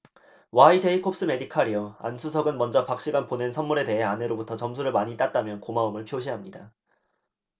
와이제이콥스메디칼이요 안 수석은 먼저 박 씨가 보낸 선물에 대해 아내로부터 점수를 많이 땄다며 고마움을 표시합니다